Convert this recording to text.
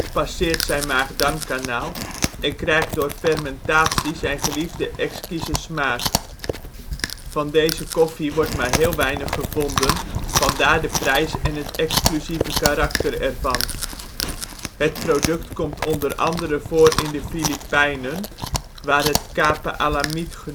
passeert zijn maag-darmkanaal en krijgt door fermentatie zijn geliefde exquise smaak. Van deze koffie wordt maar heel weinig gevonden, vandaar de prijs en het exclusieve karakter ervan. Het product komt onder andere voor in de Filipijnen (waar het Kape Alamid